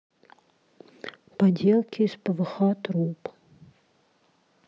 поделки из пвх труб